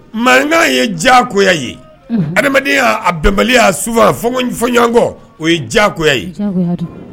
Mankanka ye ja ko ye adamaden y'a bɛnbali' sufa fɔɲɔgɔnkɔ o ye ja ye